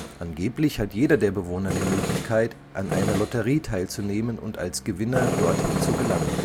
Angeblich hat jeder der Bewohner die Möglichkeit, an einer Lotterie teilzunehmen und als Gewinner dorthin zu gelangen